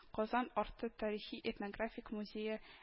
“казан арты” тарихи-этнографик музее